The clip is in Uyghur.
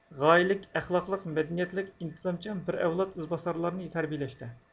غايىلىك ئەخلاقلىق مەدەنىيەتلىك ئىنتىزامچان بىر ئەۋلاد ئىزباسارلارنى تەربىيىلەشتە